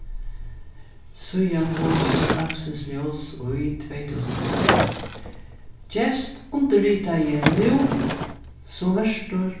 síðan hon sá dagsins ljós í tvey túsund og seks gevst undirritaði nú sum vertur